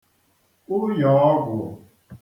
ụyọ̀ọgwụ̀